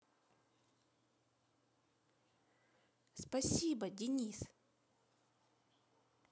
спасибо денис